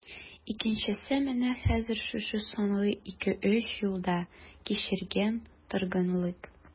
Икенчесе менә хәзер, шушы соңгы ике-өч елда кичергән торгынлык...